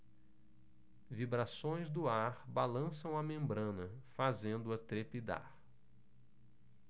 vibrações do ar balançam a membrana fazendo-a trepidar